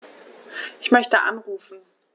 Ich möchte anrufen.